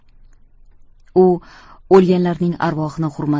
u o'lganlarning arvohini